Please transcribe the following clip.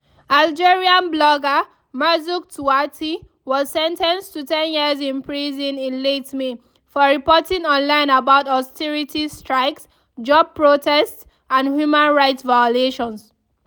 Algerian blogger Merzoug Touati was sentenced to ten years in prison in late May for reporting online about austerity strikes, job protests, and human rights violations.